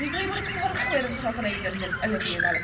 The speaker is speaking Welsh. Dwi'n credu bod y cynhyrchwyr yn trial gwneud e'n lif- Olivia's Island.